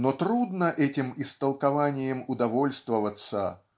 Но трудно этим истолкованием удовольствоваться